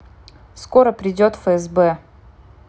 скоро приедет фсб